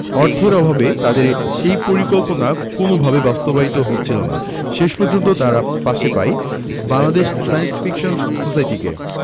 অর্থের অভাবে তাদের সেই পরিকল্পনা কোনওভাবেই বাস্তবায়িত হচ্ছিল না শেষ পর্যন্ত তারা পাশে পায় বাংলাদেশ সায়েন্স ফিকশন সোসাইটিকে